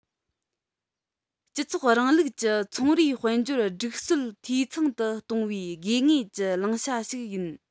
སྤྱི ཚོགས རིང ལུགས ཀྱི ཚོང རའི དཔལ འབྱོར སྒྲིག སྲོལ འཐུས ཚང དུ གཏོང བའི དགོས ངེས ཀྱི བླང བྱ ཞིག ཡིན